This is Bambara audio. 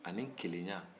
kelenya